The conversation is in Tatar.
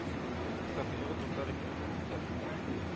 Мөстәкыйльлеге турында референдум үткәрелде.